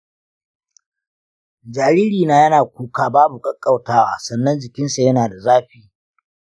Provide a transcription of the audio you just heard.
jaririna yana kuka babu ƙauƙautawa sannan jikinsa yana da zafi.